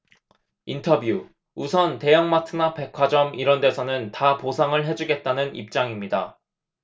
인터뷰 우선 대형마트나 백화점 이런 데서는 다 보상을 해 주겠다는 입장입니다